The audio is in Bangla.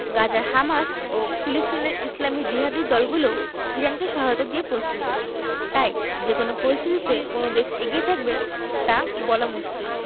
গাজার হামাস ও ফিলিস্তিনের ইসলামি জিহাদি দলগুলোও ইরানকে সহায়তা দিয়ে প্রস্তুত তাই যেকোনো পরিস্থিতিতে কোনো দেশ এগিয়ে থাকবে তা বলা মুশকিল